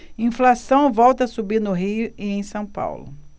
inflação volta a subir no rio e em são paulo